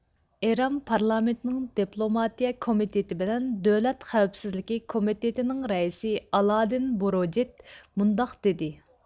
ئىران پارلامېنتىنىڭ دېپلوماتىيە كومىتېتى بىلەن دۆلەت خەۋپىسزلىكى كومىتېتىنىڭ رەئىسى ئالادىن بۇرۇجېد مۇنداق دېدى